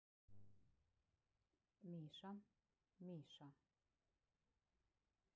миша миша